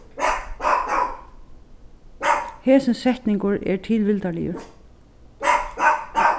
hesin setningur er tilvildarligur